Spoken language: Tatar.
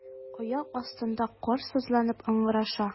Аяк астында кар сызланып ыңгыраша.